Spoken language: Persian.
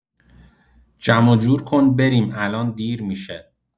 جمع‌وجور کن بریم الان دیر می‌شه